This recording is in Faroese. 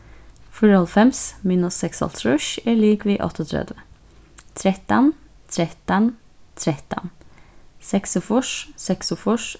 fýraoghálvfems minus seksoghálvtrýss er ligvið áttaogtretivu trettan trettan trettan seksogfýrs seksogfýrs